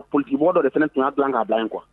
Ptigiɔn dɔ de fana tun kan k'a da in kuwa